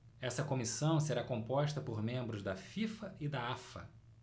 essa comissão será composta por membros da fifa e da afa